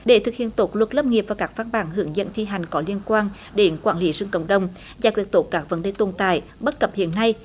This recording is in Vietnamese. để thực hiện tốt luật lâm nghiệp và các văn bản hướng dẫn thi hành có liên quan đến quản lý rừng cộng đồng giải quyết tốt các vấn đề tồn tại bất cập hiện nay